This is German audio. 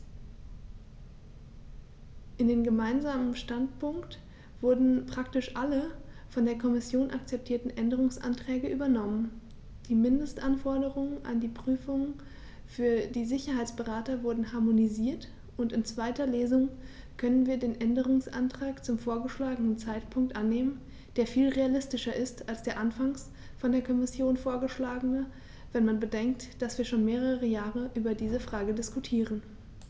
In den gemeinsamen Standpunkt wurden praktisch alle von der Kommission akzeptierten Änderungsanträge übernommen, die Mindestanforderungen an die Prüfungen für die Sicherheitsberater wurden harmonisiert, und in zweiter Lesung können wir den Änderungsantrag zum vorgeschlagenen Zeitpunkt annehmen, der viel realistischer ist als der anfangs von der Kommission vorgeschlagene, wenn man bedenkt, dass wir schon mehrere Jahre über diese Frage diskutieren.